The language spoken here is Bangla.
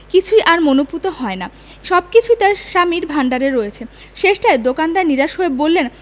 কিছুই আর মনঃপূত হয় না সবকিছুই তার স্বামীর ভাণ্ডারে রয়েছে শেষটায় দোকানদার নিরাশ হয়ে বললেন